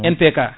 MPK